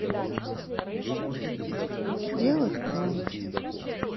сделать громче